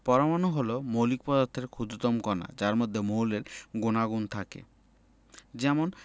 পরমাণু হলো মৌলিক পদার্থের ক্ষুদ্রতম কণা যার মধ্যে মৌলের গুণাগুণ থাকে যেমন